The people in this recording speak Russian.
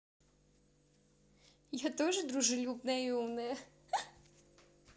я тоже дружелюбная и умная